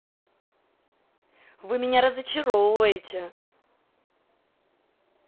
вы меня разочаровываете